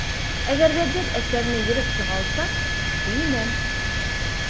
Әгәр дә бер әсәрне ерып чыга алсам, сөенәм.